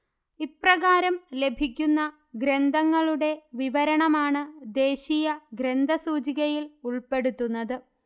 ഇപ്രകാരം ലഭിക്കുന്ന ഗ്രന്ഥങ്ങളുടെ വിവരണമാണ് ദേശീയ ഗ്രന്ഥസൂചിയിൽ ഉൾപ്പെടുത്തുന്നത്